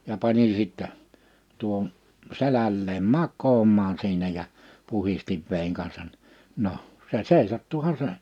ja panin sitten tuohon selälleen makaamaan siinä ja puhdistin veden kanssa niin no se seisahtuihan se